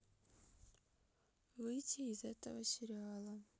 выйти из этого сериала